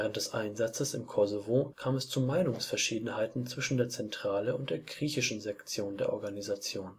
des Einsatzes im Kosovo kam es zu Meinungsverschiedenheiten zwischen der MSF-Zentrale und der griechischen Sektion der Organisation